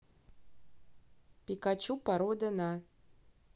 пикачу порода на